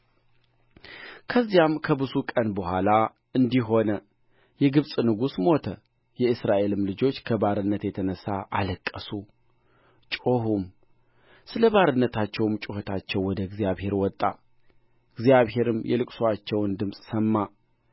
ከዚያም ከብዙ ቀን በኋላ እንዲህ ሆነ የግብፅ ንጉሥ ሞተ የእስራኤልም ልጆች ከባርነት የተነሣ አለቀሱ ጮኹም ስለ ባርነታቸውም ጩኸታቸው ወደ እግዚአብሔር ወጣ እግዚአብሔርም የለቅሶአቸውን ድምፅ ሰማ